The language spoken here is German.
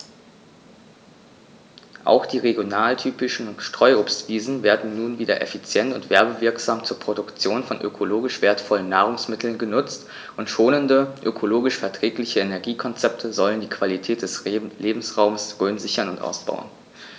Auch die regionaltypischen Streuobstwiesen werden nun wieder effizient und werbewirksam zur Produktion von ökologisch wertvollen Nahrungsmitteln genutzt, und schonende, ökologisch verträgliche Energiekonzepte sollen die Qualität des Lebensraumes Rhön sichern und ausbauen.